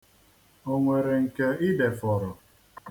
O nwere nke i defọrọ?